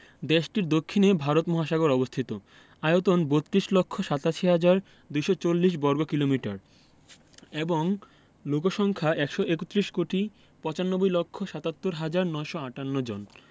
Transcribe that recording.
দেশটির দক্ষিণে ভারত মহাসাগর অবস্থিত আয়তন ৩২ লক্ষ ৮৭ হাজার ২৪০ বর্গ কিমি এবং লোক সংখ্যা ১৩১ কোটি ৯৫ লক্ষ ৭৭ হাজার ৯৫৮ জন